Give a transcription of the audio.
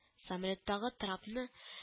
Самолеттагы трапны